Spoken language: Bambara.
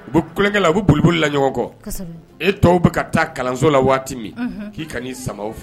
U bɛ tulonkɛ la u bɛ bolibla ɲɔgɔn kɔ e tɔw bɛ ka taa kalanso la waati min k'i ka sama fɛ